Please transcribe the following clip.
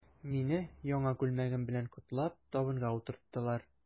Мине, яңа күлмәгем белән котлап, табынга утырттылар.